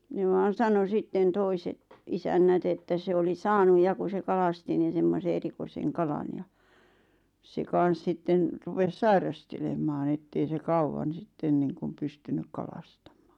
ne vain sanoi sitten toiset isännät että se oli saanut ja kun se kalasti niin semmoisen erikoisen kalan ja se kanssa sitten rupesi sairastelemaan että ei se kauan sitten niin kuin pystynyt kalastamaan